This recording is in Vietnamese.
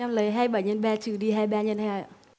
em lấy hai bẩy nhân ba trừ đi hai ba nhân hai